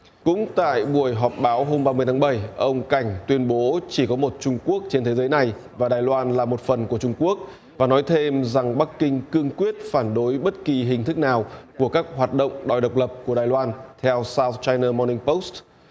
cũng tại buổi họp báo hôm ba mươi tháng bảy ông cảnh tuyên bố chỉ có một trung quốc trên thế giới này và đài loan là một phần của trung quốc và nói thêm rằng bắc kinh cương quyết phản đối bất kỳ hình thức nào của các hoạt động đòi độc lập của đài loan theo xao chai nơ mo ninh bút